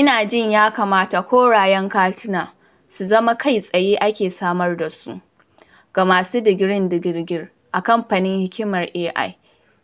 “Ina jin ya kamata korayen katina su zama kai-tsaye ake samar da su ga masu digirin-digirgir a fannin hikimar AI